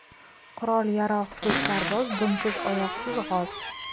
qurol yarog'siz sarboz dumsiz oyoqsiz g'oz